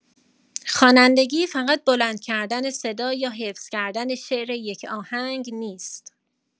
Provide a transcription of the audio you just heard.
خوانندگی فقط بلند کردن صدا یا حفظ کردن شعر یک آهنگ نیست.